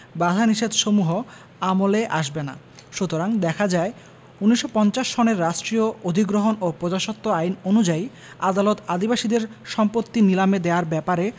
বাধানিষেধসমূহ আমলে আসবেনা সুতরাং দেখা যায় ১৯৫০ সনের রাষ্ট্রীয় অধিগ্রহণ ও প্রজাস্বত্ব আইন অনুযায়ী আদালত আদিবাসীদের সম্পত্তি নীলাম দেয়ার ব্যাপারে